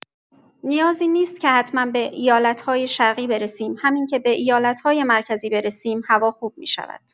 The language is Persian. نیازی نیست که حتما به ایالت‌های شرقی برسیم، همین که به ایالت‌های مرکزی برسیم، هوا خوب می‌شود.